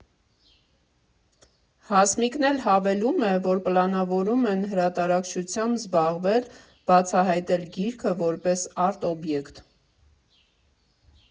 Հասմիկն էլ հավելում է, որ պլանավորում են հրատարակչությամբ զբաղվել՝ բացահայտել գիրքը որպես արտ֊օբյեկտ։